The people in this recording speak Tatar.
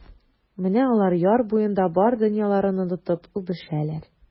Менә алар яр буенда бар дөньяларын онытып үбешәләр.